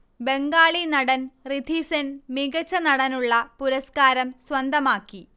ബംഗാളി നടൻ ഋഥീസെൻ മികച്ച നടനുള്ള പുരസ്ക്കാരം സ്വന്തമാക്കി